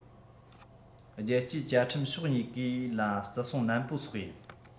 རྒྱལ སྤྱིའི བཅའ ཁྲིམས ཕྱོགས གཉིས ཀས ལ བརྩི སྲུང ནན པོ སོགས ཡིན